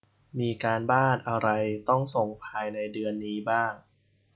มีการบ้านอะไรต้องส่งภายในเดือนนี้บ้าง